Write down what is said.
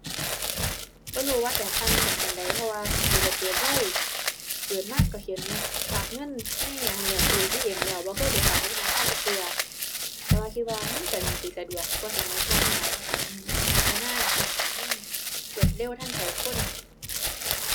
บ่รู้ว่าแตกต่างกันปานใด เพราะว่านี่ก็เกิดไว เกิดมาก็เห็นฝากเงินในอันนั้นแล้ว ตู้ ATM แล้ว บ่เคยไปฝากเงินในธนาคารจักเทื่อ แต่ว่าคิดว่ามันก็น่าสิสะดวกกว่าสมัยก่อนอยู่ล่ะ ว่าสมัยนี้มันก็พัฒนาอิหยังให้มันรวดเร็วทันใจคน